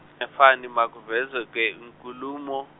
efane makuvezwe ke inkulumo.